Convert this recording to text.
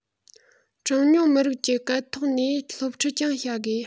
གྲངས ཉུང མི རིགས ཀྱི སྐད ཐོག ནས སློབ ཁྲིད ཀྱང བྱ དགོས